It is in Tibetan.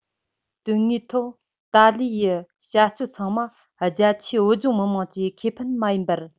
དོན དངོས ཐོག ཏཱ ལའི ཡི བྱ སྤྱོད ཚང མ རྒྱ ཆེའི བོད ལྗོངས མི དམངས ཀྱི ཁེ ཕན མ ཡིན པར